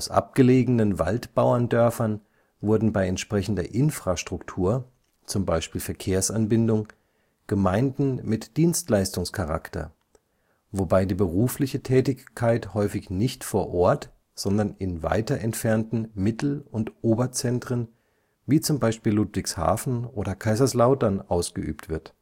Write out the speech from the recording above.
abgelegenen Waldbauerndörfern wurden bei entsprechender Infrastruktur (z. B. Verkehrsanbindung) Gemeinden mit Dienstleistungscharakter, wobei die berufliche Tätigkeit häufig nicht vor Ort, sondern in weiter entfernten Mittel - und Oberzentren (z. B. Ludwigshafen, Kaiserslautern) ausgeübt wird